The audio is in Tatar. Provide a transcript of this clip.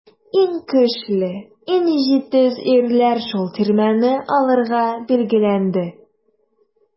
Иң көчле, иң җитез ирләр шул тирмәне алырга билгеләнде.